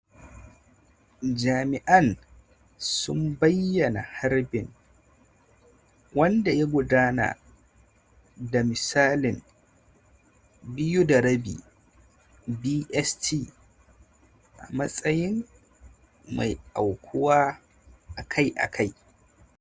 Jami’an sun bayyana harbin, wanda ya gudana da misalin 02:30 BST, a matsayin “mai aukuwa akai-akai.”